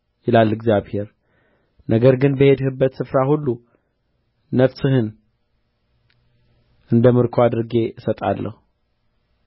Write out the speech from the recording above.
ይላል እግዚአብሔር ነገር ግን በሄድህበት ስፍራ ሁሉ ነፍስህን እንደ ምርኮ አድርጌ እሰጥሃለሁ